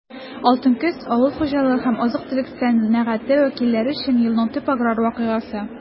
«алтын көз» - авыл хуҗалыгы һәм азык-төлек сәнәгате вәкилләре өчен елның төп аграр вакыйгасы.